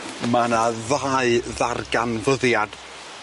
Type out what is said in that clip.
Ma' 'na ddau ddarganfyddiad